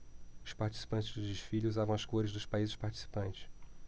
os participantes do desfile usavam as cores dos países participantes